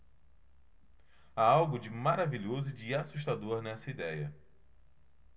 há algo de maravilhoso e de assustador nessa idéia